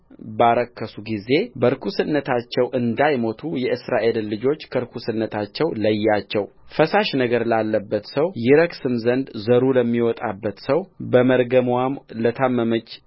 ባረከሱ ጊዜ በርኵስነታቸው እንዳይሞቱ የእስራኤልን ልጆች ከርኵስነታቸው ለያቸውፈሳሽ ነገር ላለበት ሰው ይረክስም ዘንድ ዘሩ ለሚወጣበት ሰውበመርገምዋም ለታመመች